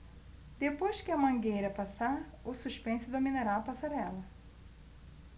depois que a mangueira passar o suspense dominará a passarela